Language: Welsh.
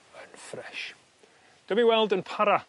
yn ffres. Dw'm i'w weld yn para